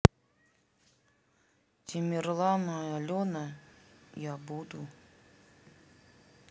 тамерлан и алена я буду